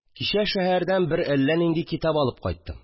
Кичә шәһәрдән бер әллә нинди китап алып кайттым